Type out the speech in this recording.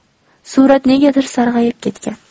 surat negadir sarg'ayib ketgan